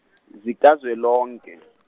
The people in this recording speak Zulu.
zikazwelonke.